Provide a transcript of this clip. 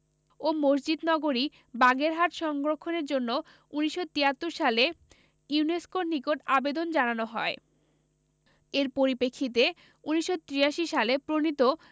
ও মসজিদ নগরী বাগেরহাট সংরক্ষণের জন্য ১৯৭৩ সালে ইউনেস্কোর নিকট আবেদন জানানো হয় এর পরিপ্রেক্ষিতে ১৯৮৩ সালে প্রণীত